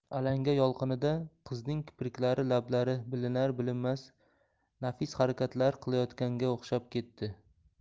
alanga yolqinida qizning kipriklari lablari bilinar bilinmas nafis harakatlar qilayotganga o'xshab ketdi